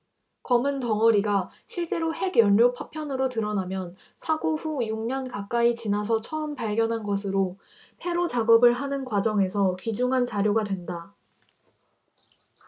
검은 덩어리가 실제로 핵연료 파편으로 드러나면 사고 후 육 년 가까이 지나서 처음 발견한 것으로 폐로작업을 하는 과정에서 귀중한 자료가 된다